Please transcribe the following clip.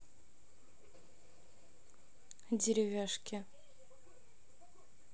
деревяшки